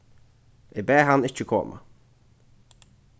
eg bað hann ikki koma